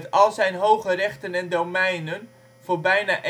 al zijn hoge rechten en domeinen voor bijna